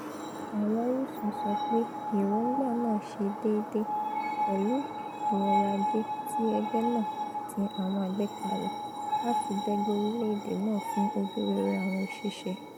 Àwọn orísún sọ pé èròǹgbà náà 'ṣe déédé' pẹ̀lú ètò ọ̀rọ̀-ajé ti ẹgbẹ́ náà àti àwọn àgbékalẹ̀ láti dẹ̀gbẹ́ orílẹ̀-èdè náà fún ojú rere àwọn òṣìṣẹ́.